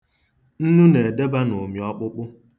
Nnu na-edeba n'ụmị ọkpụkpụ.